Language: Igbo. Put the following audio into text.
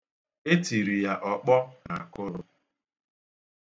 E tiri ya ọkpọ n'akụrụ.